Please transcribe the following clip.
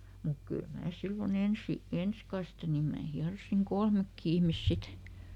mutta kyllä minä silloin ensi ensi kaste niin minä hieroin kolmekin ihmistä sitten